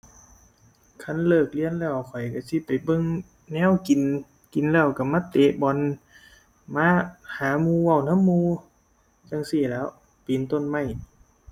คันเลิกเรียนแล้วข้อยก็สิไปเบิ่งแนวกิน กินแล้วก็มาเตะบอล มาหาหมู่ เว้านำหมู่จั่งซี้แล้ว ปีนต้นไม้